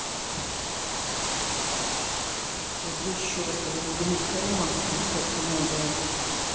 я тебе еще раз говорю я не каримата концерты новые